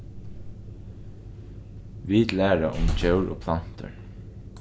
vit læra um djór og plantur